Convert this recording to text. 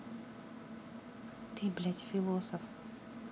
ты блядь философ